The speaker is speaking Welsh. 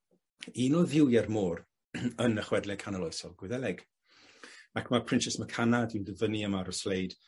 Un o dduwie'r môr yn y chwedle canoloesol Gwyddeleg. Ac ma' Proinsias Mac Cana dwi'n dyfynnu yma ar y sleid